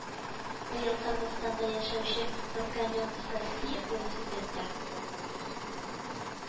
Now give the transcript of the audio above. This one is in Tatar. Быел Кыргызстанда яшәүче Нуркамил Саскиев велосипедта